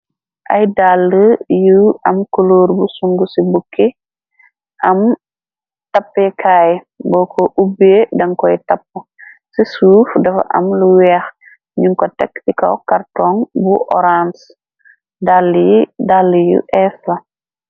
Ay dàlla yu am kuluur bu sung ci bukki am tappekaay bo ko ubbey dankoy tapp ci suuf dafa am lu weex ñuñ ko tekk tikaw cartoŋ bu orance dàlla yi dàlla yu essla.